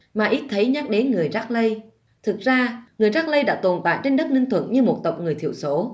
mà ít thấy nhắc đến người rắc lây thực ra người rắc lây đã tồn tại trên đất ninh thuận như một tộc người thiểu số